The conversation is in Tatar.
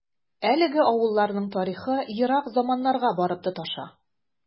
Әлеге авылларның тарихы ерак заманнарга барып тоташа.